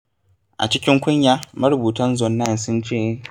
A cikin kunya, marubutan Zone9 sun ce: